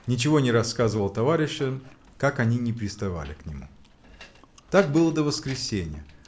ничего не рассказывал товарищам, как они ни приставали к нему. Так было до воскресенья.